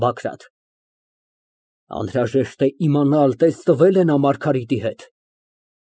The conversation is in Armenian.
ԲԱԳՐԱՏ ֊ Անհրաժեշտ է իմանալ, տեսնվե՞լ է նա Մարգարիտի հետ։